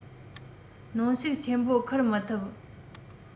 གནོན ཤུགས ཆེན པོ འཁུར མི ཐུབ